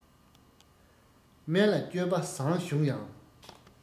དམན ལ སྤྱོད པ བཟང བྱུང ཡང